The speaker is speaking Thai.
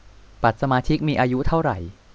บัตรสมาชิกมีอายุเท่าไหร่